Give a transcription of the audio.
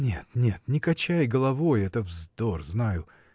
Нет, нет, не качай головой — это вздор, знаю.